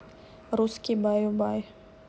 русский баю бай